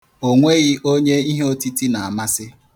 O nweghi onye iheotiti na-amasị.